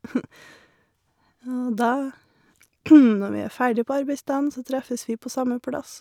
Og da, når vi er ferdig på arbeidsdagen, så treffes vi på samme plass.